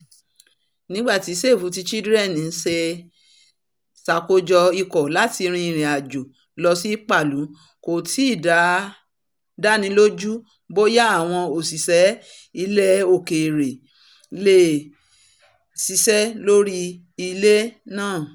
Nígbà tí Save the Children ń ṣàkójo ikọ̀ láti rin ìrìn àjò lọsí Palu, kò tíì dáni lójú bóyá àwọn òṣìṣẹ́ ilẹ̀ òkèèrè leè ṣiṣẹ́ lórí ilẹ̀ náà.